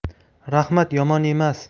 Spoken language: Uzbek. raxmat yomon emas